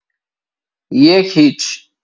یک هیچ